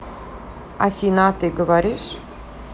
афина а ты говоришь